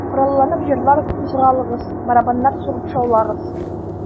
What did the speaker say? Коралланып, җырлар, кузгалыгыз, Барабаннар сугып шаулагыз...